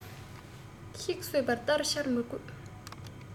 ཤིག གསོད པར སྟ རེ འཕྱར མི དགོས